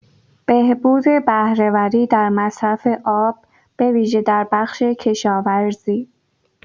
بهبود بهره‌وری در مصرف آب، به‌ویژه در بخش کشاورزی